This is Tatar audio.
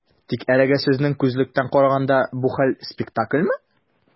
Тик әлегә, сезнең күзлектән караганда, бу хәл - спектакльмы?